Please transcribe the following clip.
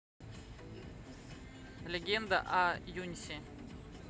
легенда о юнси